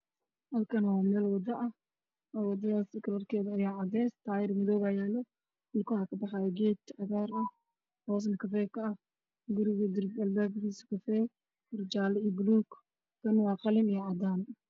Waa laami geed Cagaar ayaa ku yaalla tukaamo